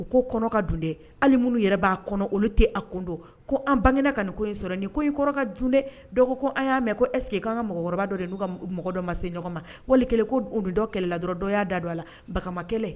U ko kɔnɔ ka dunde hali minnu yɛrɛ b'a kɔnɔ olu tɛ a kundo ko an bange ka nin ko in sɔrɔ nin ko in kɔrɔ ka dunde dɔgɔkun an y'a mɛn ko esseke que k' kan ka mɔgɔkɔrɔba dɔ de n'u mɔgɔ dɔn ma se ɲɔgɔn ma wali kɛlen ko dɔw kɛlɛla dɔrɔn dɔw y'a da don a la bagankɛ